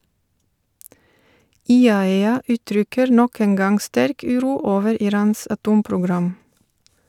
IAEA uttrykker nok en gang sterk uro over Irans atomprogram.